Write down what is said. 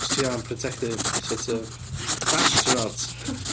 Achos ti angen protective sort of... fatha astronot.